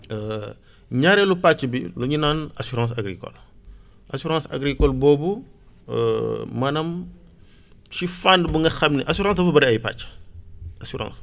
ñaareelu pàcc bi lu ñu naan assurance agricole assurance agricole boobu maanaam ci fànn bu nga xam ne assurance dafa bëri ay pàcc assurance